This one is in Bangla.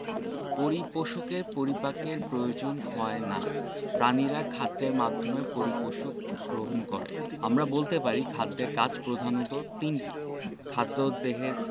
পরিপোষকে পরিপাকের প্রয়োজন হয় না প্রাণীরা খাদ্যের মাধ্যমে পরিপোষক গ্রহণ করে আমরা বলতে পারি খাদ্যের কাজ প্রধানত তিনটি খাদ্য দেহের